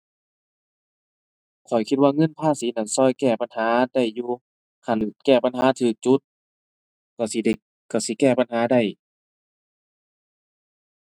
ข้อยคิดว่าเงินภาษีนั้นช่วยแก้ปัญหาได้อยู่ คันแก้ปัญหาช่วยจุด ช่วยสิได้ ช่วยสิแก้ปัญหาได้